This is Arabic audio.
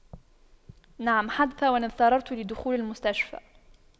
نعم حدث وأن اضطررت لدخول المستشفى